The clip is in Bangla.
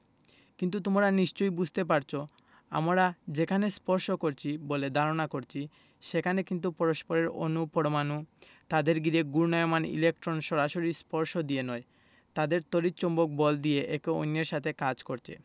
কিন্তু তোমরা নিশ্চয়ই বুঝতে পারছ আমরা যেখানে স্পর্শ করছি বলে ধারণা করছি সেখানে কিন্তু পরস্পরের অণু পরমাণু তাদের ঘিরে ঘূর্ণায়মান ইলেকট্রন সরাসরি স্পর্শ দিয়ে নয় তাদের তড়িৎ চৌম্বক বল দিয়ে একে অন্যের সাথে কাজ করছে